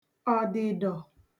ọ̀dị̀dọ